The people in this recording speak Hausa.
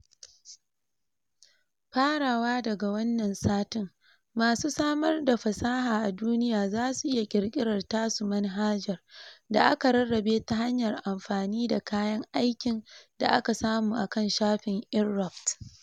Farawa daga wannan satin, masu samar da fasaha a duniya za su iya ƙirƙirar tasu manhajar da aka rarrabe ta hanyar amfani da kayan aikin da aka samu akan shafin Inrupt.